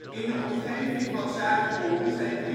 In de omgeving van Zuidwolde zijn